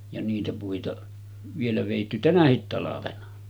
ja niitä puita vielä vedetty tänäkin talvena